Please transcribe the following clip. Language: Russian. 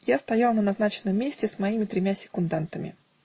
Я стоял на назначенном месте с моими тремя секундантами.